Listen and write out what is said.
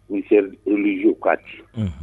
N sera zo ka ci